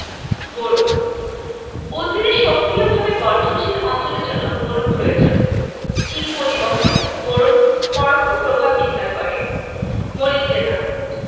boron উদ্ভিদের সক্রিয়ভাবে বর্ধনশীল অঞ্চলের জন্য বোরন প্রয়োজন চিনি পরিবহনে বোরন পরোক্ষ প্রভাব বিস্তার করে মোলিবডেনাম